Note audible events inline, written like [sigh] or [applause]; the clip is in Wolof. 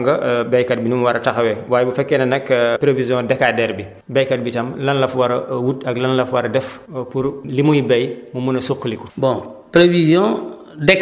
[hesitation] suñu waxee prévision saisonnière wax nga [hesitation] béykat bi nu mu war a taxawee waaye bu fekkee ne nag [hesitation] prévision décadaire bi béykat bi tam lan la fa war a wut ak lan la fa war a def pour li muy béy mu mun a suqaliku